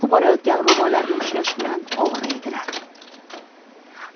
oqib borayotgan ro'mollarini ushlash bilan ovora edilar